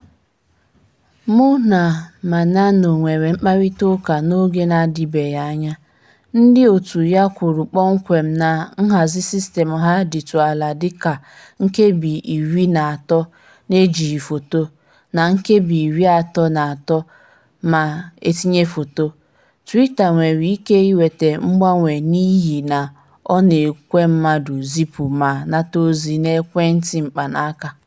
Mụ na Maneno nwere mkparịtaụka n'oge na-adịbeghị anya, ndị òtù ya kwuru kpọmkwem na nhazị sistemụ ha dịtụ ala dịka 13kb n'ejighị foto na 33kb ma etinye foto... Twitter nwere ike iweta mgbanwe n'ihi na ọ na-ekwe mmadụ zịpụ ma nata ozi n'ekwentị mkpanaaka.